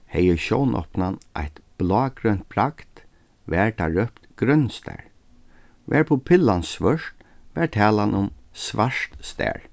hevði sjónopnan eitt blágrønt bragd varð tað rópt grønstar var pupillan svørt varð talan um svartstar